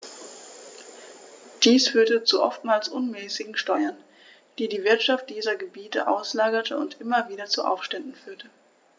Dies führte zu oftmals unmäßigen Steuern, die die Wirtschaft dieser Gebiete auslaugte und immer wieder zu Aufständen führte.